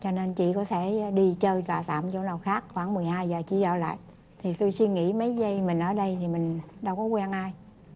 cho nên chị có thể đi chơi và tạm chỗ nào khác khoảng mười hai giờ chị ở lại thì tôi suy nghĩ mấy giây mình ở đây thì mình đâu có quen ai